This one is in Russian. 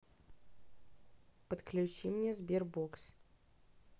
подключи мне sberbox